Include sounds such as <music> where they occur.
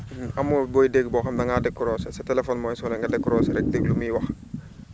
<hesitation> <hesitation> amoo booy dégg boo xam ne da ngaa décroché sa téléphone mooy sonné nga décroché rek déglu muy wax